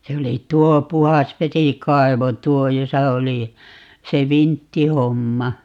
se oli tuo puhdasvesikaivo tuo jossa oli se vinttihomma